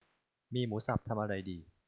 มีหมูสับทำอะไรดี